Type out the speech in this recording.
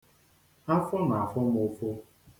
Afọ m na-afụ m ụfụ.